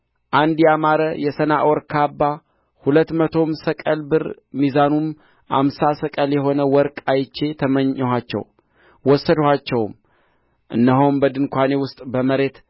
አንድ ያማረ የሰናዖር ካባ ሁለት መቶም ሰቅል ብር ሚዛኑም አምሳ ሰቅል የሆነ ወርቅ አይቼ ተመኘኋቸው ወሰድኋቸውም እነሆም በድንኳኔ ውስጥ በመሬት